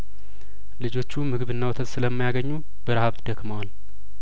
ልጆቹምግብና ወተት ስለማ ያገኙ በረሀብ ደክመዋል